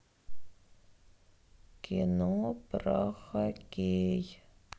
кино про хоккей